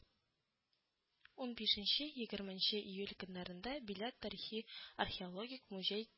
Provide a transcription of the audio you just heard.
Унбишенче-егерменче июль көннәрендә Биләр тарихи-археологик музей